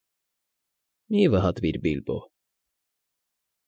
Մի՛ վհատվիր, Բիլբո»։